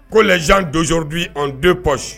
Ko lajɛjan donsoodi an donɔs